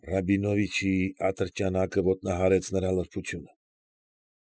Ռաբինովիչի ատրճանակը սանձահարեց նրա լրբությունը։